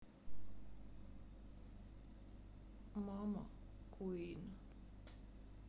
мама куин